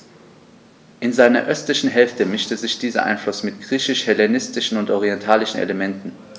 In seiner östlichen Hälfte mischte sich dieser Einfluss mit griechisch-hellenistischen und orientalischen Elementen.